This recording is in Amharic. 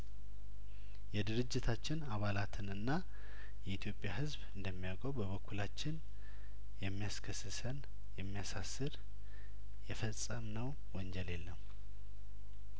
የድርጅታችን አባላትንና የኢትዮጵያ ህዝብ እንደሚያውቀው በበኩላችን የሚያስ ከስሰን የሚያሳ ስር የፈጸም ነው ወንጀል የለም